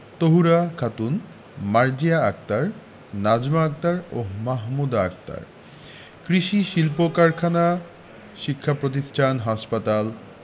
তহুরা খাতুন মার্জিয়া আক্তার নাজমা আক্তার ও মাহমুদা আক্তার কৃষি শিল্পকারখানা শিক্ষাপ্রতিষ্ঠান হাসপাতাল